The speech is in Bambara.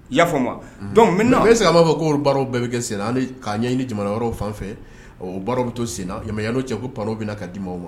Yaa'a fɔma dɔnku se b'a fɔ ko baara bɛɛ bɛ kɛ sen'a ɲɛɲini ni jamana yɔrɔw fan fɛ baro bɛ to sen ɲamayaw cɛ ko panw bɛ na k' di maaw ma